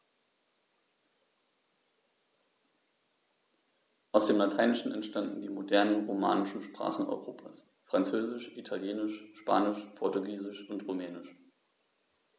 Aus dem Lateinischen entstanden die modernen „romanischen“ Sprachen Europas: Französisch, Italienisch, Spanisch, Portugiesisch und Rumänisch.